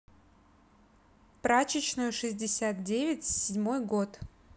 прачечную шестьдесят девять седьмой год